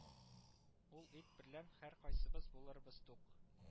Ул ит берлән һәркайсыбыз булырбыз тук